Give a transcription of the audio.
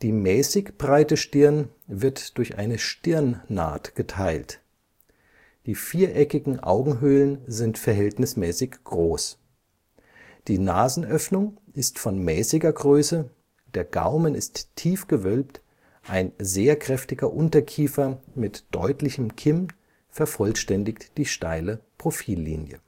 mäßig breite Stirn wird durch eine Stirnnaht geteilt. Die viereckigen Augenhöhlen sind verhältnismäßig groß. Die Nasenöffnung ist von mäßiger Größe, der Gaumen ist tief gewölbt, ein sehr kräftiger Unterkiefer mit deutlichem Kinn vervollständigt die steile Profillinie